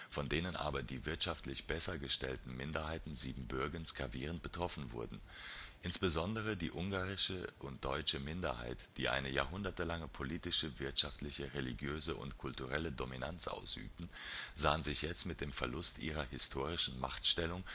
von denen aber die wirtschaftlich besser gestellten Minderheiten Siebenbürgens gravierend betroffen wurden. Insbesondere die ungarische und deutsche Minderheit, die eine jahrhundertelange politische, wirtschaftliche, religiöse und kulturelle Dominanz ausübten, sahen sich jetzt mit dem Verlust ihrer historischen Machtstellung